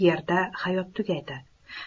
yerda hayot tugaydi